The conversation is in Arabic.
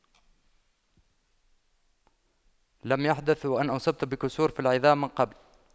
لم يحدث وأن أصبت بكسور في العظام من قبل